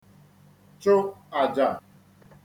chụ àjà